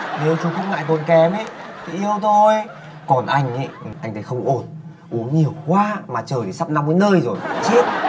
nếu chú không ngại tốn kém thì yêu tôi còn anh ấy anh thấy không ổn uống nhiều quá mà trời thì sắp nóng đến nơi rồi chết